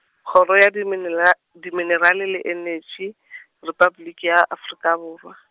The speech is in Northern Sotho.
kgoro ya dimenera-, Diminerale le Enetši , Repabliki ya Afrika Borwa.